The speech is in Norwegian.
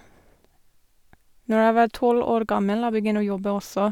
Når jeg var tolv år gammel, jeg begynner å jobbe også.